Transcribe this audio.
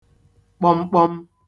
kpọmkpọm